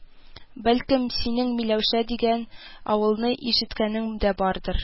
Бәлкем, синең Миләүшә дигән авылны ишеткәнең дә бардыр